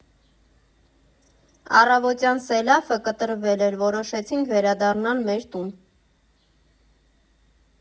Առավոտյան սելավը կտրվել էր, որոշեցինք վերադառնալ մեր տուն։